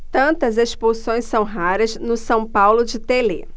tantas expulsões são raras no são paulo de telê